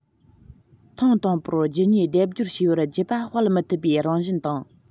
ཐེངས དང པོར རྒྱུད གཉིས སྡེབ སྦྱོར བྱས པར རྒྱུད པ སྤེལ མི ཐུབ པའི རང བཞིན དང